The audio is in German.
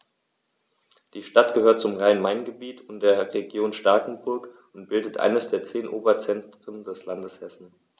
Die Stadt gehört zum Rhein-Main-Gebiet und der Region Starkenburg und bildet eines der zehn Oberzentren des Landes Hessen.